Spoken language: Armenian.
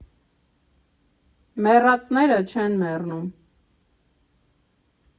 Մեռածները չեն մեռնում։